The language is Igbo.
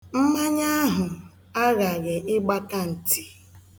Mmanya ahụ aghaghị ịgbaka nti.